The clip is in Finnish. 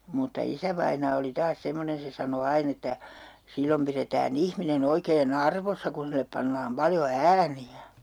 mutta isävainaa oli taas semmoinen se sanoi aina että silloin pidetään ihminen oikein arvossa kun sille pannaan paljon ääniä